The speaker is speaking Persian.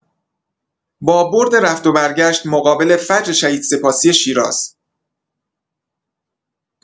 با برد رفت و برگشت مقابل فجر شهید سپاسی شیراز